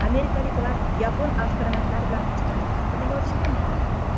amerikalik va yapon astronavtlari bilan uchganligi haqida yozishgan edi